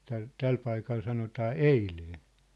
tällä tällä paikalla sanotaan eilen